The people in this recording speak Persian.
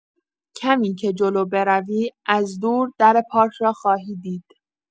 کمی که جلو بروی، از دور در پارک را خواهی دید.